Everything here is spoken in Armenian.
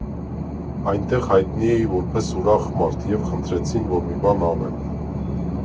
Այնտեղ հայտնի էի որպես ուրախ մարդ և խնդրեցին, որ մի բան անեմ։